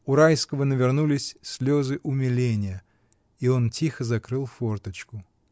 У Райского навернулись слезы умиления, и он тихо закрыл форточку.